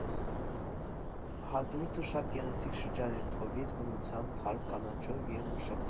Հադրութը շատ գեղեցիկ շրջան է, թովիչ բնությամբ, թարմ կանաչով և մշակութային։